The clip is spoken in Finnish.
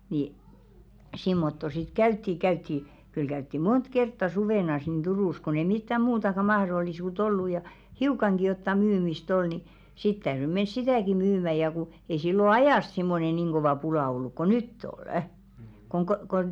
niin semmottoon sitten käytiin käytiin kyllä käytiin monta kertaa suvena niin Turussa kun ei mitään muutakaan mahdollisuutta ollut ja hiukankin jotakin myymistä oli niin sitten täytyi mennä sitäkin myymään ja kun ei silloin ajasta semmoinen niin kova pula ollut kuin nyt on kun - kun